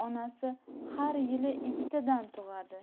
onasi har yili ikkitadan tug'adi